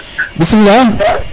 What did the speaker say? bismila